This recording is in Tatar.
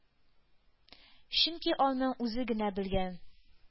Чөнки аның үзе генә белгән